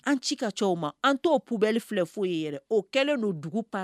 An ci ka can o ma an t'o poubelle filɛ foyi ye yɛrɛ o kɛlen do dugu par